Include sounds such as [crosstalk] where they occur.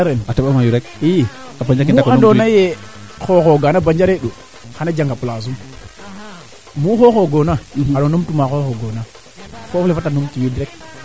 taxar kaaga kaa jeg keede mbiya no qol [unintelligible] qol le ando naye vide a fiyu fo o qol le mayna taxr mbee nan parce que a fiya nga vide ngeñ ne gara nga kaa bufa laŋ paax ke ten a mbisin